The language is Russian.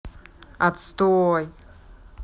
отстой